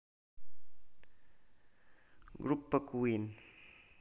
группа куин